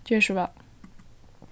ger so væl